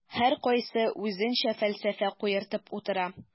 Һәркайсы үзенчә фәлсәфә куертып утыра.